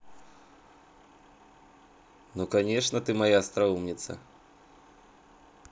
ну конечно ты моя остроумница